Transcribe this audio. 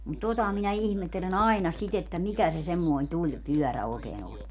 mutta tuota minä ihmettelen aina sitä että mikä se semmoinen tulipyörä oikein on